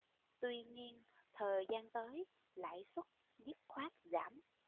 tuy nhiên thời gian tới lãi suất dứt khoát giảm